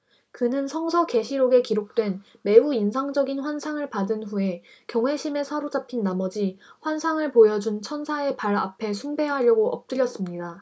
그는 성서 계시록에 기록된 매우 인상적인 환상을 받은 후에 경외심에 사로잡힌 나머지 환상을 보여 준 천사의 발 앞에 숭배하려고 엎드렸습니다